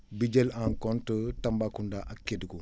bi jël en compte Tambacounda ak Kédougou